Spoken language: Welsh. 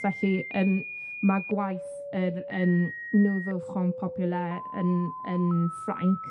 Felly, yym ma' gwaith yr yym Nouveaux Champs Populaires yn yn Ffrainc